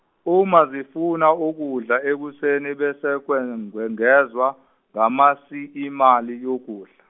uma zifuna ukudla ekuseni bese kwen- kwengezwa ngamasi imali yokudla.